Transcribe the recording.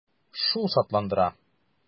Шул шатландыра.